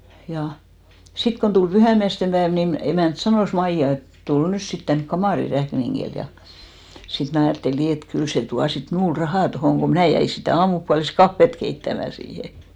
ja sitten kun tuli pyhäinmiesten päivä niin emäntä sanoi Maija että tule nyt sitten tänne kamariin räkningille ja sitten minä ajattelin niin että kyllä se tuo sitten minulle rahaa tuohon kun minä jäin sitä aamupuoliskahvia keittämään siihen